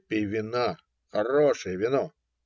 Выпей вина, хорошее вино.